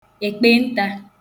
èkpenta